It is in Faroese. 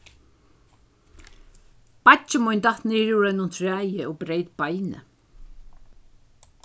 beiggi mín datt niður úr einum træi og breyt beinið